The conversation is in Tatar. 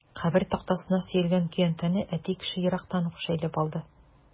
Кабер тактасына сөялгән көянтәне әти кеше ерактан ук шәйләп алды.